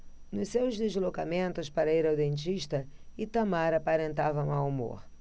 nos seus deslocamentos para ir ao dentista itamar aparentava mau humor